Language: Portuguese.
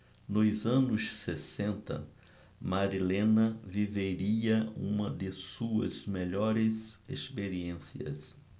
nos anos sessenta marilena viveria uma de suas melhores experiências